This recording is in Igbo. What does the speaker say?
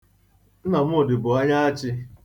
Nnamdị bụ onye Achị.